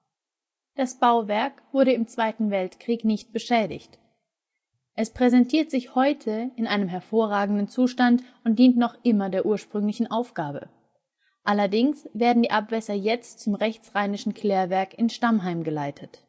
Das Bauwerk wurde im Zweiten Weltkrieg nicht beschädigt. Es präsentiert sich heute in einem hervorragenden Zustand und dient immer noch der ursprünglichen Aufgabe. Allerdings werden die Abwässer jetzt zum rechtsrheinischen Klärwerk in Stammheim geleitet